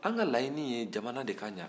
an ka laɲni de ye jamana ka ɲa